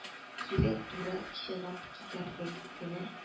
Кире туры чыгып китәрлек кенә